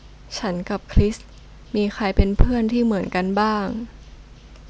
ฉันกับคริสมีใครเป็นเพื่อนที่เหมือนกันบ้าง